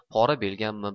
pora berganmi